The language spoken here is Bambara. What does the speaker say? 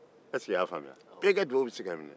i y'a faamuya wa